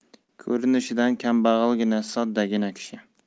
ko'rinishidan kambag'algina soddagina kishi